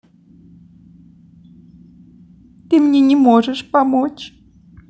ты мне не можешь помочь